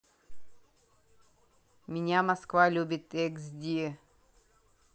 песня москва любит xd